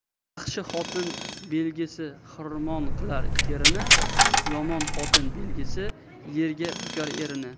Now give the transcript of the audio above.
yaxshi xotin belgisi xirom qilar terini yomon xotin belgisi yerga bukar erini